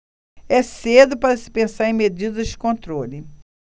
é cedo para se pensar em medidas de controle